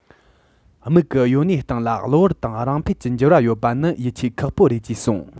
མིག གི ཡོད གནས སྟེང ལ གློ བུར དང རང འཕེལ གྱི འགྱུར བ ཡོད པ ནི ཡིད ཆེས ཁག པོ རེད ཅེས གསུངས